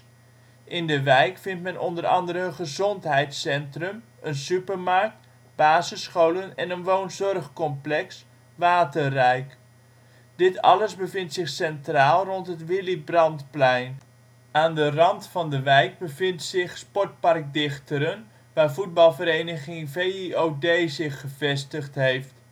In de wijk vindt men onder andere een gezondheidscentrum, een supermarkt, basisscholen en een woonzorgcomplex, Waterrijk. Dit alles bevindt zich centraal rond het Willy Brandtplein. Aan de rand van de wijk bevindt zich Sportpark Dichteren, waar voetbalvereniging VIOD zich gevestigd heeft